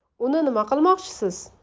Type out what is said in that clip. uni nima qilmoqchisiz